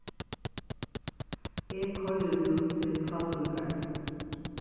eg koyri nú til hvalvíkar